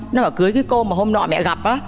nó bảo cưới cái cô mà hôm nọ mẹ gặp á